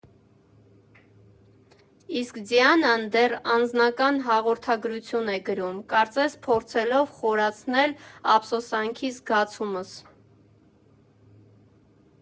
Իսկ Դիանան դեռ անձնական հաղորդագրություն է գրում՝ կարծես փորձելով խորացնել ափսոսանքի զգացումս.